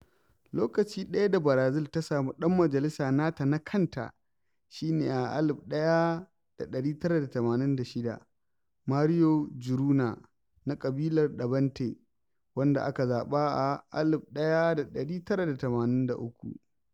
Lokaci ɗaya da Barazil ta samu ɗan majalisa nata na kanta shi ne a 1986 - Mario Juruna, na ƙabilar ɗaɓante, wanda aka zaɓa a 1983.